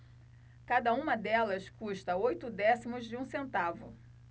cada uma delas custa oito décimos de um centavo